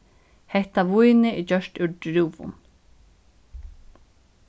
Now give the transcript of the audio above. hetta vínið er gjørt úr drúvum